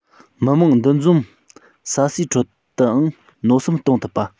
མི མང འདུ འཛོམས ཟ ཟིའི ཁྲོད དུའང མནོ བསམ གཏོང ཐུབ པ